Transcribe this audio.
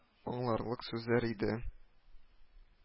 Аңларлык сүзләр иде